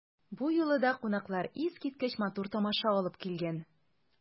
Бу юлы да кунаклар искиткеч матур тамаша алып килгән.